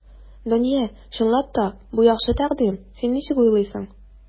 Дания, чынлап та, бу яхшы тәкъдим, син ничек уйлыйсың?